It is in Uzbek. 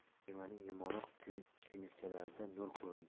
kemaning yumaloq tuynukchalarida nur ko'rindi